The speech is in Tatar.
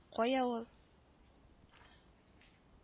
Кая ул